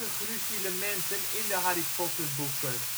Gruzielementen in de Harry Potterboeken